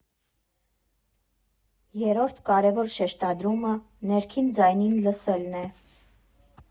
Երրորդ կարևոր շեշտադրումը՝ ներքին ձայնին լսելն է։